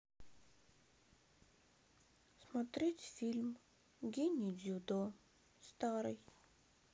смотреть фильм гений дзюдо старый